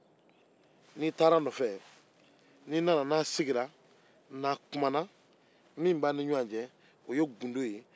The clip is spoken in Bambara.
n'i n'a sigira ka kuma min b'a ni ɲɔgɔn cɛ o ye gundo ye